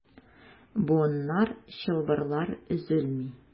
Буыннар, чылбырлар өзелми.